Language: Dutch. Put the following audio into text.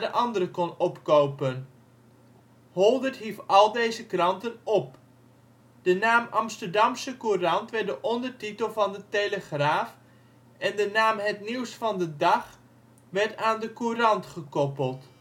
andere kon opkopen. Holdert hief al deze kranten op. De naam Amsterdamsche Courant werd de ondertitel van De Telegraaf, en de naam Het Nieuws van den Dag werd aan De Courant gekoppeld